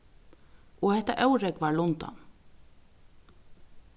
og hetta órógvar lundan